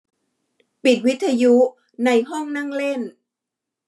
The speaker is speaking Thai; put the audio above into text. ปิดวิทยุในห้องนั่งเล่น